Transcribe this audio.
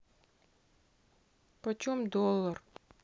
почем доллар